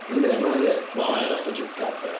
Yndi, mae o yndi... Mae o'n edrych fatha Chupacabra...